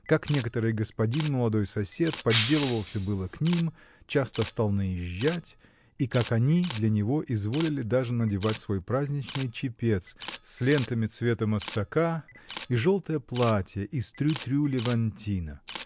как некоторый господин, молодой сосед, подделывался было к ним, часто стал наезжать, и как они для него изволили даже надевать свой праздничный чепец, с лентами цвету массака и желтое платье из трю-трю-левантина